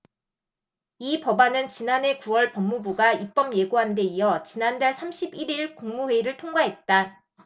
이 법안은 지난해 구 월 법무부가 입법예고한데 이어 지난달 삼십 일 일 국무회의를 통과했다